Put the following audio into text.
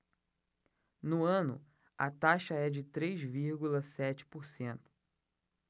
no ano a taxa é de três vírgula sete por cento